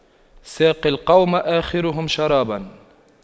ساقي القوم آخرهم شراباً